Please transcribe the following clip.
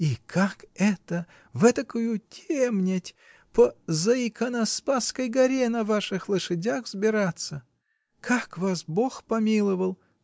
— И как это в этакую темнять по Заиконоспасской горе на ваших лошадях взбираться! Как вас Бог помиловал!